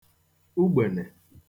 ugbene